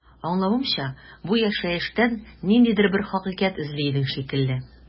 Аңлавымча, бу яшәештән ниндидер бер хакыйкать эзли идең шикелле.